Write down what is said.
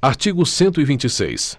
artigo cento e vinte e seis